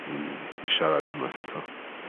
i i siarad unwaith eto.